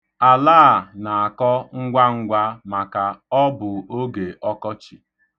Ala a na-akọ ngwangwa maka ọ bụ oge ọkọchị.